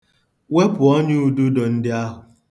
Wepụ ọnyaududo ndị ahụ